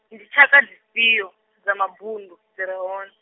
ndi tshakha dzi fhio, dza mabundu, dzire hone?